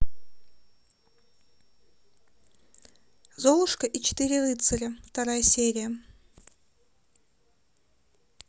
золушка и четыре рыцаря вторая серия